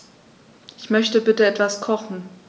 Ich möchte bitte etwas kochen.